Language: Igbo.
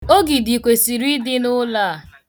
Ogidi kwesịrị ịdị n'ụlọ a.